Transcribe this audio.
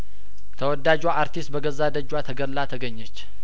ተወዳጇ አርቲስት በገዛ ደጇ ተገላ ተገኘች